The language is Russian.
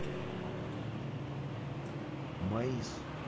маис